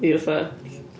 I fatha...